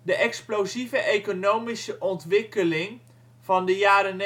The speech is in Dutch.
explosieve economische ontwikkeling van de jaren